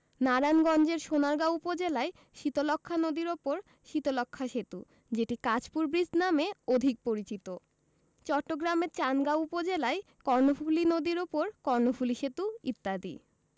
নারায়ণগঞ্জের সোনারগাঁও উপজেলায় শীতলক্ষ্যা নদীর উপর শীতলক্ষ্যা সেতু যেটি কাঁচপুর ব্রীজ নামে অধিক পরিচিত চট্টগ্রামের চান্দগাঁও উপজেলায় কর্ণফুলি নদীর উপর কর্ণফুলি সেতু ইত্যাদি